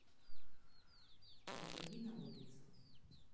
не ходи на улицу